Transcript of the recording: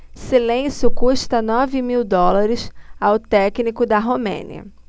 silêncio custa nove mil dólares ao técnico da romênia